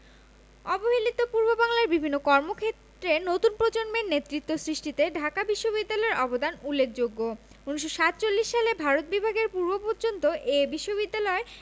অবহেলিত পূর্ববাংলার বিভিন্ন কর্মক্ষেত্রে নতুন প্রজন্মের নেতৃত্ব সৃষ্টিতে ঢাকা বিশ্ববিদ্যালয়ের অবদান উল্লেখযোগ্য ১৯৪৭ সালে ভারত বিভাগের পূর্বপর্যন্ত এ বিশ্ববিদ্যালয়